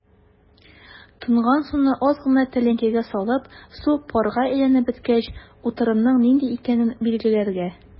Тонган суны аз гына тәлинкәгә салып, су парга әйләнеп беткәч, утырымның нинди икәнен билгеләргә.